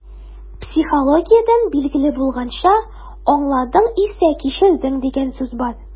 Психологиядән билгеле булганча, «аңладың исә - кичердең» дигән сүз бар.